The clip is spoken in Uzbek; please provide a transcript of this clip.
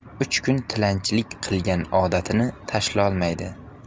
uch kun tilanchilik qilgan odatini tashlolmaydi